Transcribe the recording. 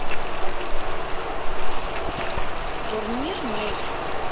турнир ней